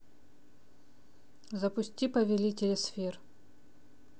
запусти повелителя сфер